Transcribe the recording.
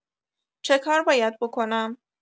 چکار باید بکنم؟